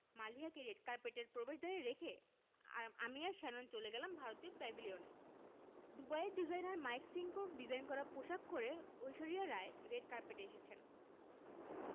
মালিহাকে রেড কার্পেটের প্রবেশদ্বারে রেখে আমি আর শ্যানন চলে গেলাম ভারতীয় প্যাভিলিয়নে দুবাইয়ের ডিজাইনার মাইক সিঙ্কোর ডিজাইন করা পোশাক করে ঐশ্বরিয়া রাই রেড কার্পেটে এসেছেন